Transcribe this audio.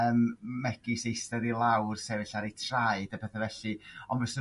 yym megis eistedd i lawr sefyll ar eu traed a petha' felly ond fysa